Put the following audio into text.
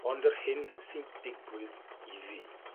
Ond yr hyn sy'n digwydd iddi.